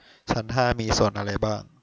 ชั้นห้ามีโซนอะไรบ้าง